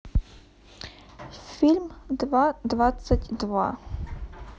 фильм два двадцать два